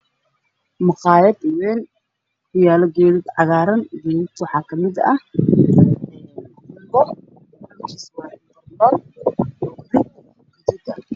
Waa guri dhismo oo villa midabkiisii yahay caddaan